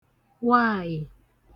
nwaàyị̀